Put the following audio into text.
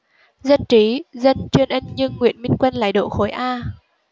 dân trí dân chuyên anh nhưng nguyễn minh quân lại đỗ khối a